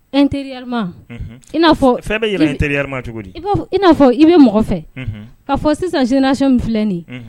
N teri ia fɔ fɛn bɛ yɛlɛ terima cogo di i n'a fɔ i bɛ mɔgɔ fɛ ka fɔ sisan sinsi filɛi